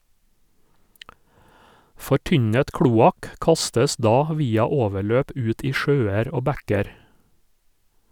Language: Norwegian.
Fortynnet kloakk kastes da via overløp ut i sjøer og bekker.